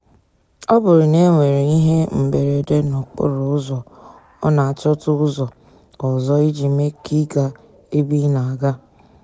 Ọ bụrụ na enwere ihe mberede n'okporo ụzọ ọ na-achọta ụzọ ọzọ iji mee ka ị gaa ebe ị na-aga.